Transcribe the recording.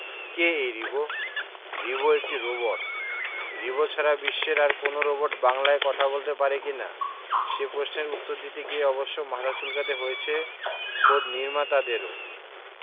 কে এই রিবো রিবো একটা রোবট রিবো ছাড়া বিশ্বের আর কোনো রোবট বাংলায় কথা বলতে পারে কি না সে পশ্নের উত্তর দিতে গিয়ে অবশ্য মাথা চুলকাতে হয়েছে খোদ নির্মাতাদেরও